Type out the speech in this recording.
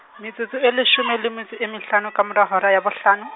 metsotso e leshome le metso e mehlano, ka mora hora ya bohlano.